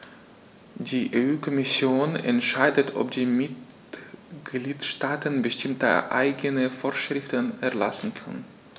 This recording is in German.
Die EU-Kommission entscheidet, ob die Mitgliedstaaten bestimmte eigene Vorschriften erlassen können.